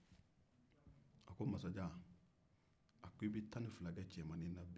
a ko i bɛ tan ni fila kɛ cɛmannin na bi masajan